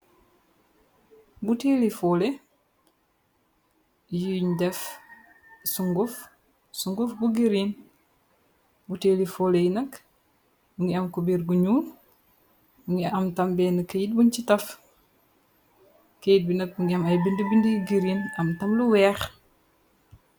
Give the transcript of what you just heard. Bu teeli foole yuñ def sunguf bu giriin bu teeli foole yi nak ngi am ku bir gu ñuul ngi am tambeen keyit buñ ci taf keyit bi nak bu ngi am ay bind bind yu giriin am tam lu weex.